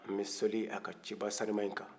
an bɛ seli a ka ciba sanima yi kan